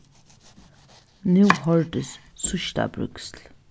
nú hoyrdist síðsta bríksl